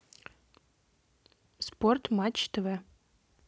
спорт матч тв